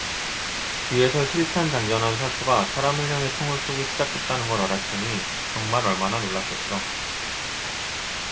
뒤에서 실탄 장전한 사수가 사람을 향해 총을 쏘기 시작했다는 걸 알았으니 정말 얼마나 놀랐겠어